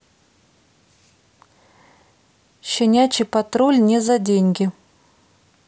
щенячий патруль не за деньги